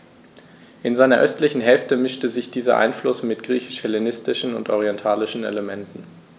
In seiner östlichen Hälfte mischte sich dieser Einfluss mit griechisch-hellenistischen und orientalischen Elementen.